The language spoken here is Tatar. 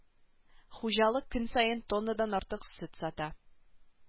Хуҗалык көн саен тоннадан артык сөт сата